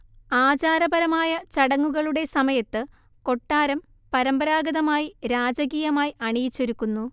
ആചാരപരമായ ചടങ്ങുകളുടെ സമയത്ത് കൊട്ടാരം പരമ്പരാഗതമായി രാജകീയമായി അണിയിച്ചൊരുക്കുന്നു